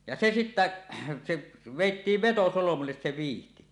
ja se sitten se vedettiin vetosolmulle se vyyhti